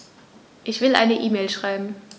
Ich will eine E-Mail schreiben.